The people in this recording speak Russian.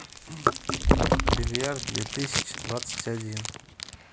бильярд две тысячи двадцать один